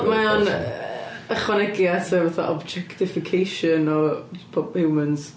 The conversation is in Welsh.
Mae o'n yy ychwanegu at y fatha objectification o po-humans.